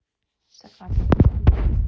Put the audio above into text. сальвадор дали